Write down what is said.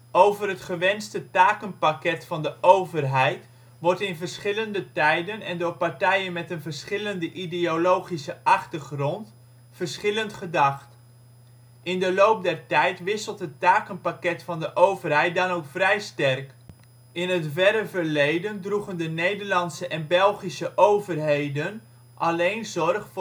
Over het gewenste takenpakket van de overheid wordt in verschillende tijden en door partijen met een verschillende ideologische achtergrond verschillend gedacht. In de loop der tijd wisselt het takenpakket van de overheid dan ook vrij sterk. In het verre verleden droegen de Nederlandse en Belgische overheden alleen zorg